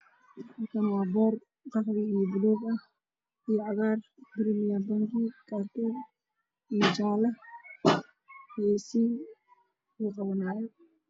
Waa kaarka shirka premear bank